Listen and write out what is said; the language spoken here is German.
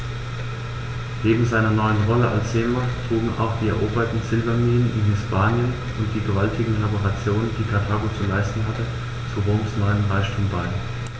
Neben seiner neuen Rolle als Seemacht trugen auch die eroberten Silberminen in Hispanien und die gewaltigen Reparationen, die Karthago zu leisten hatte, zu Roms neuem Reichtum bei.